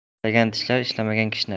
ishlagan tishlar ishlamagan kishnar